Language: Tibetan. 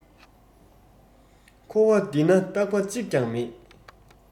འཁོར བ འདི ལ རྟག པ གཅིག ཀྱང མེད